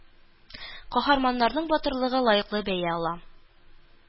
Каһарманнарның батырлыгы лаеклы бәя ала